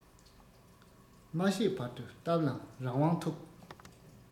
མ བཤད བར དུ གཏམ ལ རང དབང ཐོབ